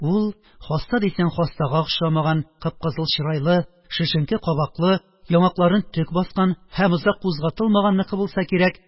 Ул – хаста дисәң хастага охшамаган кып-кызыл чырайлы, шешенке кабаклы, яңакларын төк баскан һәм озак кузгатылмаганныкы булса кирәк